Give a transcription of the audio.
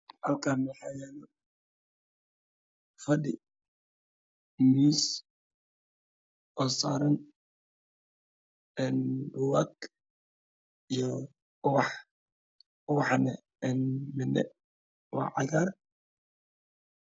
Halkan waxayalo fadhi io miis waxa saran buugag io ubax ubax waa cagar